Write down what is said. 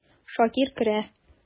Шакир керә.